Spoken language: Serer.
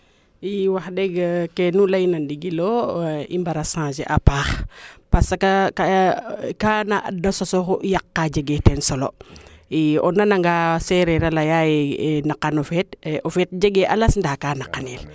i wax deg keenu leyna ndigilo i mbara changer a paax parce e que kaana adna soxu yaq kaa jegee teen solo i o nana nga sereer a leya ye i naqa no feet o feet jegee a las ndaa ka naqanel